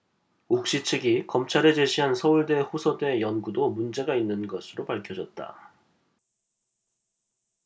옥시 측이 검찰에 제시한 서울대 호서대 연구도 문제가 있는 것으로 밝혀졌다